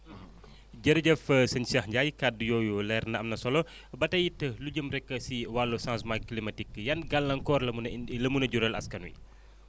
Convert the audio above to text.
jërëjëf sëñ Cheikh Ndiaye kàddu yooyu leer na am na solo ba tey it lu jëm rek si wàll chnagement climatique yi yan gàllankoor la mun a indi la mun a jural askan wi